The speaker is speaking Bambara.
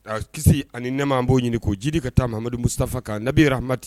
Kisi ani nɛ maan b'o ɲini ko jiri ka taamadu mussafa kan nabira amati